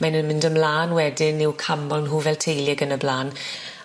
Mae'n yn mynd ymlan wedyn i'w canmol nhw fel teulu ag yn y bla'n.